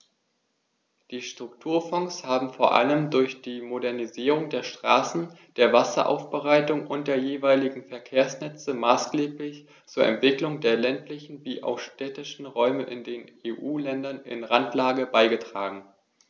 Die Strukturfonds haben vor allem durch die Modernisierung der Straßen, der Wasseraufbereitung und der jeweiligen Verkehrsnetze maßgeblich zur Entwicklung der ländlichen wie auch städtischen Räume in den EU-Ländern in Randlage beigetragen.